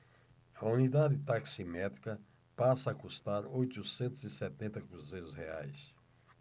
a unidade taximétrica passa a custar oitocentos e setenta cruzeiros reais